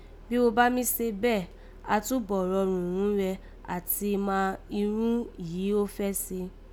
Jí wo bá mí se bẹ́ẹ̀, á túbọ̀ rọrùn ghún rẹ àti mà irun yìí ó fẹ́ se